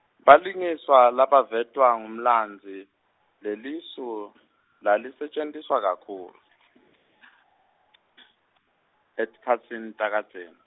balingiswa labavetwa ngumlandzi, lelisu , lalisetjentiswa kakhulu , etikhatsini takadzeni.